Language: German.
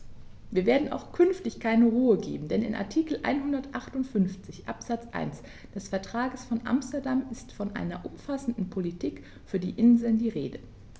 Wir werden auch künftig keine Ruhe geben, denn in Artikel 158 Absatz 1 des Vertrages von Amsterdam ist von einer umfassenden Politik für die Inseln die Rede.